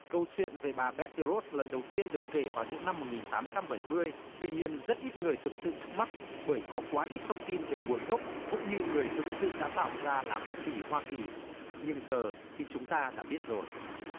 câu chuyện về bà bét ti rốt lần đầu tiên được kể vào những năm một nghìn tám trăm bảy mươi tuy nhiên rất ít người thực sự thắc mắc bởi có quá ít thông tin về nguồn gốc cũng như người thực sự đã tạo ra lá quốc kỳ hoa kỳ nhưng giờ thì chúng ta đã biết rồi